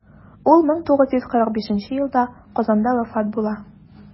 Ул 1945 елда Казанда вафат була.